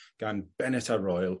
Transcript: gan Bennet a Royal